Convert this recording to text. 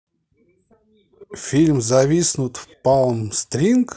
фильм зависнуть в палм спрингс